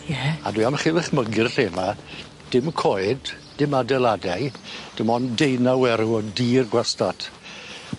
Ie. A dwi am chi dychmygu'r lle 'ma dim coed dim adeiladau dim ond deunaw erw o dir gwastat.